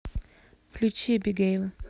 включи эбигейл